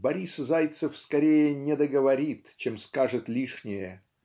Борис Зайцев скорее недоговорит чем скажет лишнее.